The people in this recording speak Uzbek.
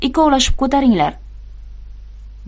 ikkovlashib ko'taringlar